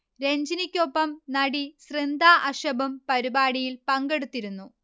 രഞ്ജിനിയ്ക്കൊപ്പം നടി സൃന്ദ അഷബും പരിപാടിയിൽ പങ്കെടുത്തിരുന്നു